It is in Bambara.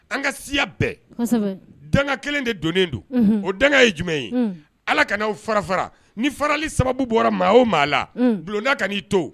An ka siya bɛɛ, kosɛbɛ, danga kelen de donnen don , o de ye jumɛn ye, allah kana n'aw fara fara ni farali sababu bɔra maa o maa la, bulonnda ka n'i to